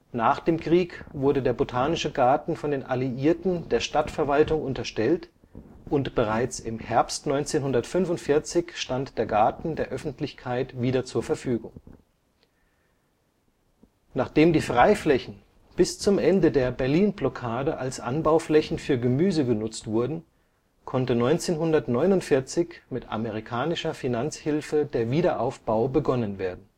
Nach dem Krieg wurde der Botanische Garten von den Alliierten der Stadtverwaltung unterstellt und bereits im Herbst 1945 stand der Garten der Öffentlichkeit wieder zur Verfügung. Nachdem die Freiflächen bis zum Ende der Berlin-Blockade als Anbauflächen für Gemüse genutzt wurden, konnte 1949 mit amerikanischer Finanzhilfe der Wiederaufbau begonnen werden